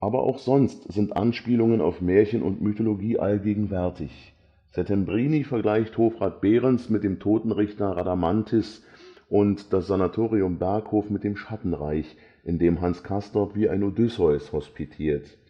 Aber auch sonst sind Anspielungen auf Märchen und Mythologie allgegenwärtig: Settembrini vergleicht Hofrat Behrens mit dem Totenrichter Rhadamanthys und das Sanatorium Berghof mit dem Schattenreich, in dem Hans Castorp wie ein Odysseus hospitiert